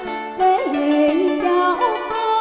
dễ bề giáo